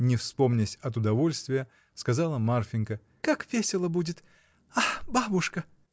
— не вспомнясь от удовольствия, сказала Марфинька. — Как весело будет. ах, бабушка!